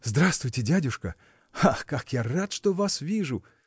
– Здравствуйте, дядюшка; ах, как я рад, что вас вижу!